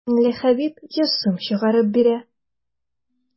Миңлехәбиб йөз сум чыгарып бирә.